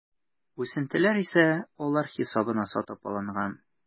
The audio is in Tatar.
Үсентеләр исә алар хисабына сатып алынган.